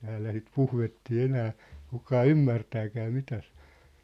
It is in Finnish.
täällä sitä puhvettia enää kukaan ymmärtääkään mitä se on